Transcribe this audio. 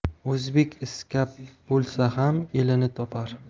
o'zbek iskab bo'lsa ham elini topar